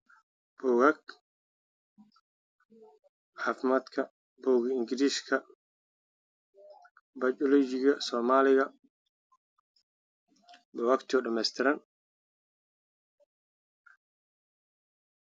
Waa buugaag midabkeedu yahay madow cadaan